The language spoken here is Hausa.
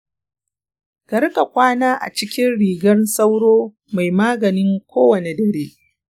ka riƙa kwana a cikin rigar sauro mai magani kowane dare.